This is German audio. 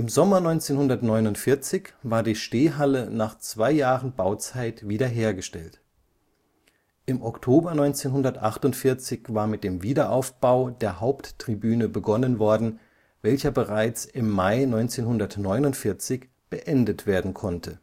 Sommer 1949 war die Stehhalle nach zwei Jahren Bauzeit wiederhergestellt. Im Oktober 1948 war mit dem Wiederaufbau der Haupttribüne begonnen worden, welcher bereits im Mai 1949 beendet werden konnte